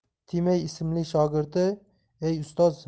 timey ismli shogirdi ey ustoz